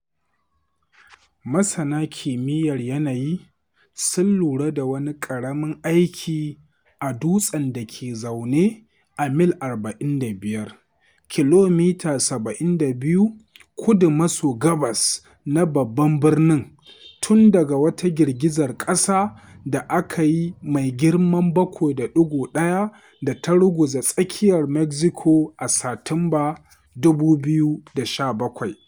Masana kimiyyar yanayi sun lura da wani ƙarin aiki a dutsen da ke zaune a mil 45 (kilomita 72) kudu-maso-gabas na babban birnin tun daga wata girgizar ƙasa da aka yi mai girman 7.1 da ta ruguza tsakiyar Mexico a Satumba 2017.